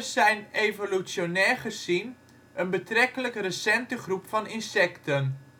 zijn evolutionair gezien een betrekkelijk recente groep van insecten